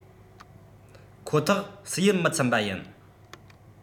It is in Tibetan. ཁོ ཐག ཟས ཡིད མི ཚིམ པ ཡིན